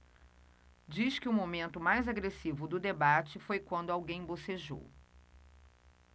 diz que o momento mais agressivo do debate foi quando alguém bocejou